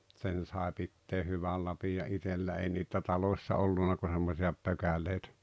sen sai pitää hyvä lapion itsellä ei niitä taloissa ollut kuin semmoisia pökäleitä